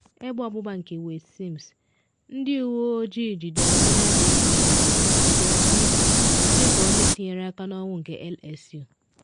Egbe ọgbụgba nke Wayde Sims: Ndị uwe ojii jidere onye a na enyo enyo Dyteon Simpson dịka onye tinyere aka n'ọnwụ nke LSU